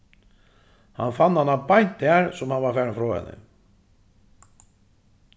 hann fann hana beint har sum hann var farin frá henni